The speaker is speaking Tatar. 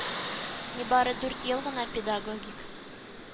Нибары дүрт ел гына педагогик